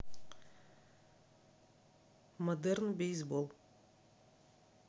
модерн бейсбол